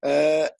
yy